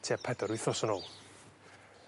tua pedair wythnos yn ôl.